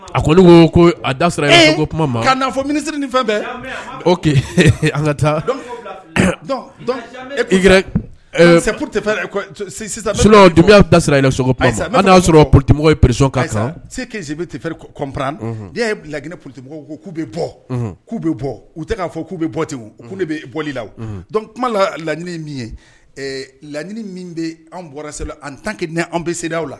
A ko olu ko ko a da sogo kuma ma n'a fɔ minisiri ni fɛn bɛɛ an ka taa ei sisan dun da na y'a sɔrɔ poro ye prez kan sesibipri kɔnp laginɛ porotem ko k'u bɛ bɔ k'u bɛ bɔ k uu tɛ k'a fɔ k'u bɛ bɔte k'u de bɛ bɔli la dɔnc kuma la laɲini min ye laɲiniini min bɛ an bɔra sala an tanki n an bɛ seere aw la